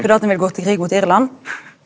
fordi at han vil gå til krig mot Irland.